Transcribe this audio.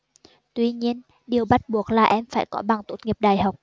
tuy nhiên điều bắt buộc là em phải có bằng tốt nghiệp đại học